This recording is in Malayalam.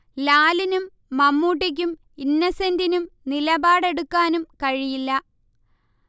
ലാലിനും മമ്മൂട്ടിക്കും ഇന്നസെന്റിനും നിലപാട് എടുക്കാനും കഴിയില്ല